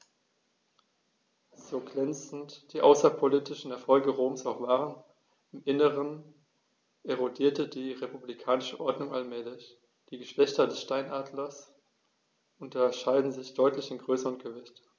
So glänzend die außenpolitischen Erfolge Roms auch waren: Im Inneren erodierte die republikanische Ordnung allmählich. Die Geschlechter des Steinadlers unterscheiden sich deutlich in Größe und Gewicht.